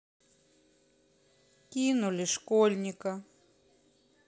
кинули школьника